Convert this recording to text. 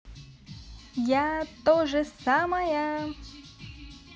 я тоже самая